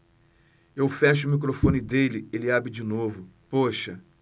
eu fecho o microfone dele ele abre de novo poxa